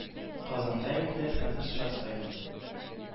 Казанда инде хәзер чат саен